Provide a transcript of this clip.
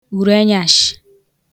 ùrenyashị̀